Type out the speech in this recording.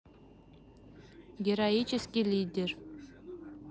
героический лидер